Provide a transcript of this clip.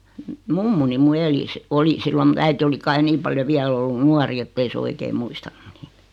mummoni minun eli - oli silloin minun äiti oli kai niin paljon vielä ollut nuori että ei se oikein muistanut niitä